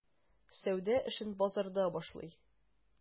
Сәүдә эшен базарда башлый.